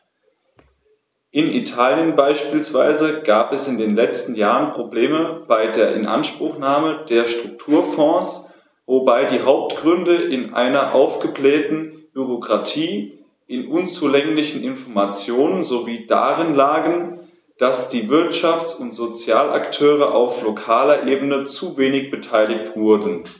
In Italien beispielsweise gab es in den letzten Jahren Probleme bei der Inanspruchnahme der Strukturfonds, wobei die Hauptgründe in einer aufgeblähten Bürokratie, in unzulänglichen Informationen sowie darin lagen, dass die Wirtschafts- und Sozialakteure auf lokaler Ebene zu wenig beteiligt wurden.